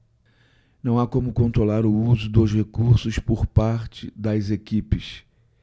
não há como controlar o uso dos recursos por parte das equipes